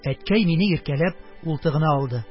Әткәй, мине иркәләп, култыгына алды: